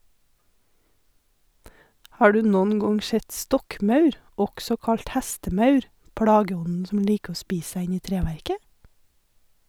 Har du noen gang sett stokkmaur, også kalt hestemaur, plageånden som liker å spise seg inn i treverket?